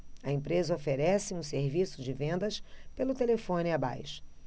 a empresa oferece um serviço de vendas pelo telefone abaixo